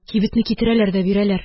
Кибетне китерәләр дә бирәләр.